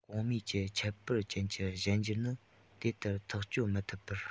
གོང སྨྲས ཀྱི ཁྱད པར ཅན གྱི གཞན འགྱུར ནི དེ ལྟར ཐག གཅོད མི ཐུབ པར